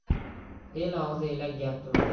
el og'zi elak gap turmas